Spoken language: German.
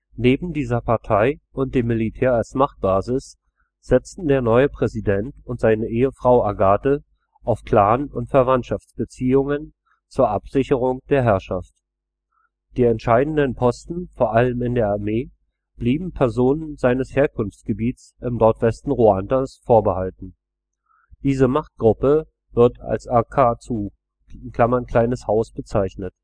Neben dieser Partei und dem Militär als Machtbasis setzten der neue Präsident und seine Ehefrau Agathe auf Clan - und Verwandtschaftsbeziehungen zur Absicherung der Herrschaft. Die entscheidenden Posten vor allem in der Armee blieben Personen seines Herkunftsgebiets im Nordwesten Ruandas vorbehalten. Diese Machtgruppe wird als akazu (Kleines Haus) bezeichnet